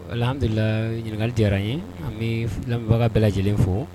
Alihamidulilayi ɲininkali diyara an ye an bɛ lamɛnbaga bɛɛ lajɛlen fo.